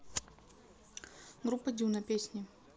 группа дюна песни